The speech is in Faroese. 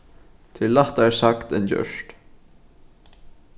tað er lættari sagt enn gjørt